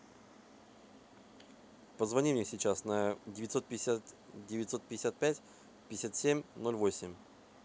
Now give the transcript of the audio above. позвони мне мне сейчас на девятьсот пятьдесят девятьсот пятьдесят пять пятьдесят семь ноль восемь